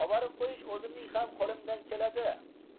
oborib qo'yish o'zimning ham qo'limdan keladi